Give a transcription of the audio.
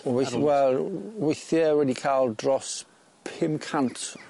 Wel weithie wedi ca'l dros pum cant.